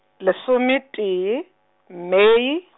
lesometee, Mei .